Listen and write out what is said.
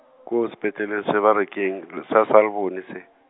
ko sepetlele se ba re keng l-, sa Selbourne se.